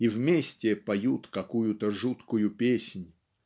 и вместе поют какую-то жуткую песнь